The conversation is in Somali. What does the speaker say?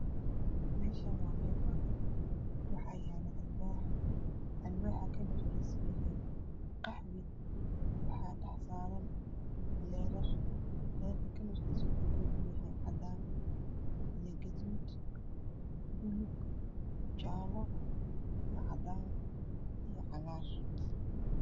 Meeshaan waa meel banaan waxaana yaalo alwaax alwaaxa kalarkiisa yahay qaxwi waxaa dhax saaran leerar leerka kalarkiisa uu ka koobanyahay cadaan iyo gadud buluug jaalo iyo cadaan iyo cagaar